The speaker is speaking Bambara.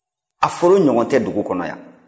a foro ɲɔgɔn tɛ dugu kɔnɔ yan